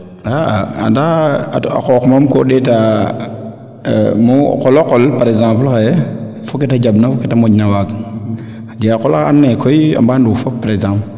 anda a qooq moom ko ndeeta mu o qolo qol par exemple xaye fo keete jamb nsa fo kee te moƴna waag a jega xa qola xa and naye koy amba nduuf fop par exemple